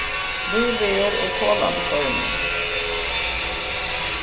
lýveður og kolandi stormur